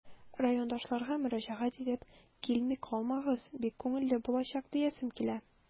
Райондашларга мөрәҗәгать итеп, килми калмагыз, бик күңелле булачак диясем килә.